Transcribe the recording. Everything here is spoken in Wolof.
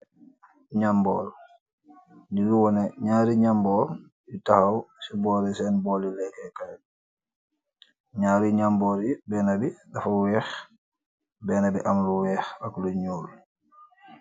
Jamboor nyugi wone ñaari jamboor yu taxaw ci boori seen booli leekee kaay b ñaari jamboor yi benn bi dafa weex benn bi am lu weex ak lu ñuul.